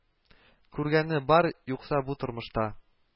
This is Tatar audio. Күргәне бар юкса бу тормышта